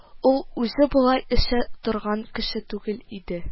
Ул үзе болай эчә торган кеше түгел иде